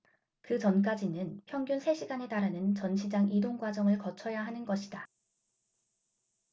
그 전까지는 평균 세 시간에 달하는 전시장 이동과정을 거쳐야 하는 것이다